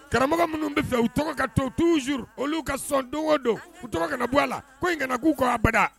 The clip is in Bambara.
Karamɔgɔ minnu bɛ fɛ u ka to tuur olu ka sɔn don o don u tɔgɔ kana bɔ a la ko in k'u ko abada